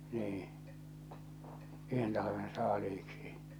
niin yhden talven saaliiksi